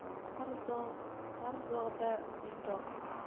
har zog' har zog'da ming dog'